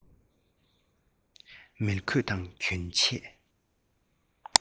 མལ གོས དང གྱོན ཆས